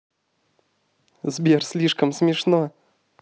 сбер слишком смешно